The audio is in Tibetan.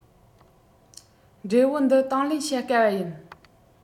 འབྲས བུ འདི དང ལེན བྱ དཀའ བ ཡིན